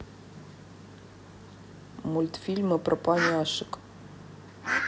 мультфильмы про поняшек